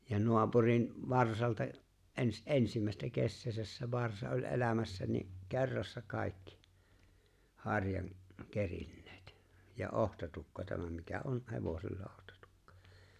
ja naapurin varsalta - ensimmäistä kesäänsä se varsa oli elämässä niin kerrassa kaikki harjan kerinneet ja otsatukka tämä mikä on hevosella otsatukka